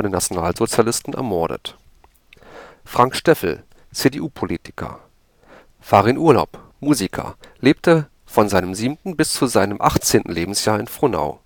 Nationalsozialisten ermordet Frank Steffel, CDU-Politiker Farin Urlaub, Musiker, lebte von seinem siebten bis zu seinem achtzehnten Lebensjahr in Frohnau